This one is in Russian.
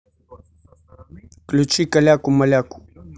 включи каляку маляку